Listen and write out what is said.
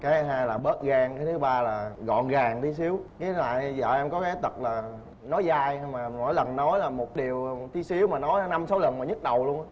cái thứ hai là bớt ghen cái thứ ba là gọn gàng tí xíu dí lại vợ em có cái tật là nói dai xong là mỗi lần nói là một điều tí xíu mà nói năm sáu lần mà nhức đầu luôn á